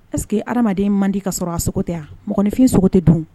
Est - ce que hadamaden man di k'a sɔrɔ a sogo tɛ wa? Mɔgɔninfin sogo tɛ dun wo!